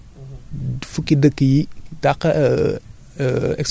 parce que bu ñu xoolee Sénégal li ñu naan top ten mondial